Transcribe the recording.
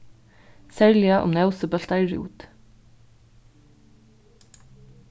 serliga um nósi bóltaði rút